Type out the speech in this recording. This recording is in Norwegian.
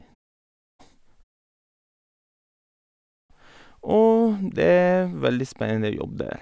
Og det veldig spennende jobb der.